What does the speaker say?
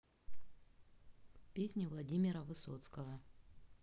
песни владимира высоцкого